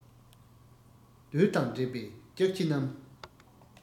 རྡུལ དང འདྲེས པའི ལྕགས ཕྱེ རྣམས